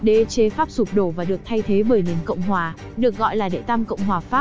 đế chế pháp sụp đổ và được thay thế bởi nền cộng hòa được gọi là đệ tam cộng hòa pháp